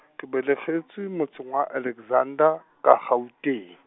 ke belegetšwe motseng wa Alexandra, ka Gauteng.